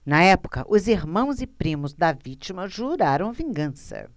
na época os irmãos e primos da vítima juraram vingança